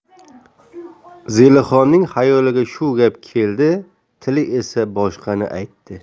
zelixonning xayoliga shu gap keldi tili esa boshqani aytdi